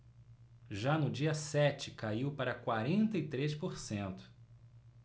já no dia sete caiu para quarenta e três por cento